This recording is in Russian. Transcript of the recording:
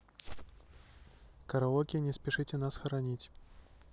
караоке не спешите нас хоронить